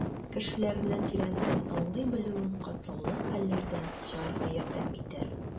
Кешеләрне тирәнтен аңлый белүең катлаулы хәлләрдән чыгарга ярдәм итәр.